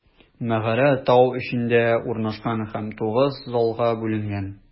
Мәгарә тау эчендә урнашкан һәм тугыз залга бүленгән.